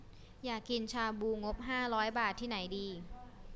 อยากกินชาบูงบห้าร้อยบาทที่ไหนดี